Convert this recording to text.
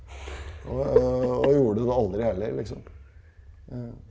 og gjorde det aldri heller liksom .